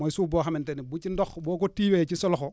mooy suuf boo xamante ne bu ci ndox boo ko téyee ci sa loxo